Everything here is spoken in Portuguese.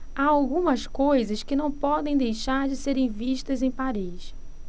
há algumas coisas que não podem deixar de serem vistas em paris